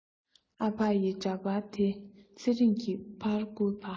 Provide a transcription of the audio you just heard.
ཨ ཕ ཡི འདྲ པར དེ ཚེ རིང གི ཕར བསྐུར པ